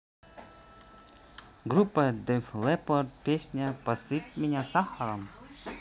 группа def leppard песня посыпь меня сахаром